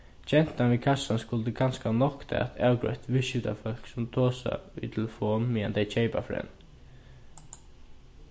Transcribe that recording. gentan við kassan skuldi kanska noktað at avgreitt viðskiftafólk sum tosa í telefon meðan tey keypa frá henni